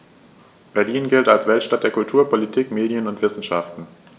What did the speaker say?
Berlin gilt als Weltstadt der Kultur, Politik, Medien und Wissenschaften.